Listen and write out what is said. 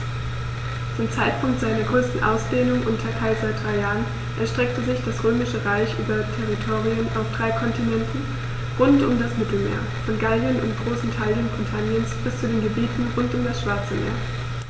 Zum Zeitpunkt seiner größten Ausdehnung unter Kaiser Trajan erstreckte sich das Römische Reich über Territorien auf drei Kontinenten rund um das Mittelmeer: Von Gallien und großen Teilen Britanniens bis zu den Gebieten rund um das Schwarze Meer.